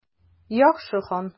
Яхшы, хан.